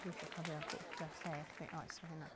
Dwi isio cofio bwcio lle i chdi oes, ma' hynna...